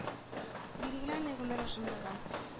Билгеләми гомер озынлыгын